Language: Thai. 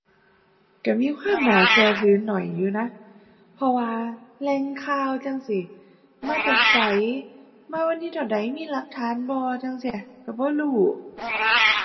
ก็มีความน่าก็ถือน้อยอยู่นะ เพราะว่าแหล่งข่าวจั่งซี้ มาจากไส มาวันที่เท่าใด มีหลักฐานบ่จั่งซี้ ก็บ่รู้